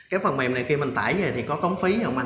cái phần mềm này khi mình tải về thì có tốn phí không anh